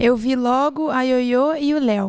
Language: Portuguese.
eu vi logo a ioiô e o léo